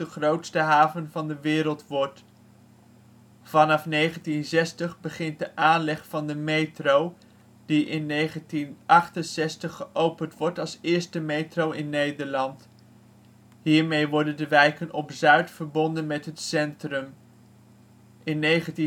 grootste haven van de wereld wordt. Vanaf 1960 begint de aanleg van de metro, die in 1968 geopend wordt als eerste metro in Nederland. Hiermee worden de wijken ' op zuid ' verbonden met het centrum. In 1970 vindt nabij Zuidplein